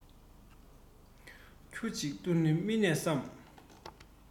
ཁྱུ གཅིག ཏུ ནི མི གནས སམ